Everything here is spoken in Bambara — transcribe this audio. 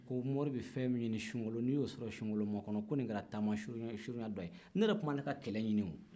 ko mori bɛ fɛn min ɲini sunkalo la n'i y'o sɔrɔ sunkalomakɔnɔ ne yɛrɛ tun b'a la ka kɛlɛ ɲini